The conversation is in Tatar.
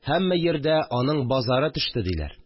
Һәммә йирдә «аның базары төште» диләр